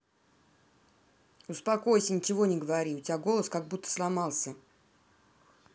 успокойся ничего не говори у тебя голос как будто сломался